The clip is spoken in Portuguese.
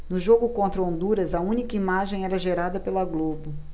no jogo contra honduras a única imagem era gerada pela globo